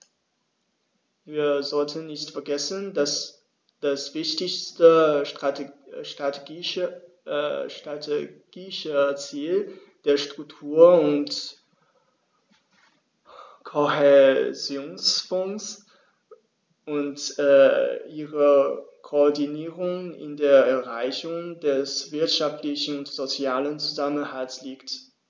Wir sollten nicht vergessen, dass das wichtigste strategische Ziel der Struktur- und Kohäsionsfonds und ihrer Koordinierung in der Erreichung des wirtschaftlichen und sozialen Zusammenhalts liegt.